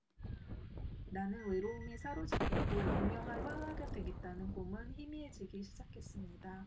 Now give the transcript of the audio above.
나는 외로움에 사로잡혔고 유명한 화가가 되겠다는 꿈은 희미해지기 시작했습니다